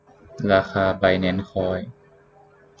ราคาไบแนนซ์คอย